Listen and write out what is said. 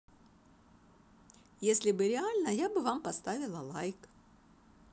если бы реально я бы вам поставила лайк